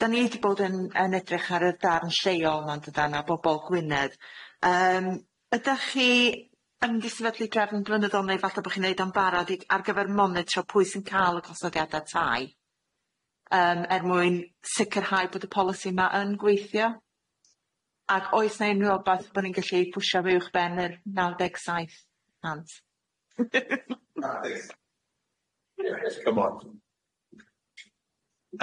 da ni di bod yn edrych ar y darn lleol ydan a bobol Gwynedd yym ydach chi yn mynd i sefydlu drefn blynyddol neu falle bo' chi'n neud o'n barod i ar gyfer monitro pwy sy'n ca'l y gostodiada tai yym er mwyn sicirhau bod y polisi yma yn gweithio, ac oes na unrhyw wbath bo' ni'n gallu pwsio mew'ch ben yr naw deg saith cant? Na ddic- come on.